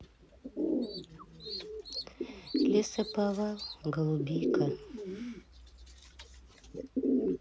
лесоповал голубика